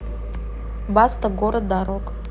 баста город дорог